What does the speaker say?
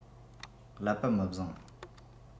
ཀླད པ མི བཟང